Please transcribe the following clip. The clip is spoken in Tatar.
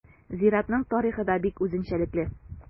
Зиратның тарихы да бик үзенчәлекле.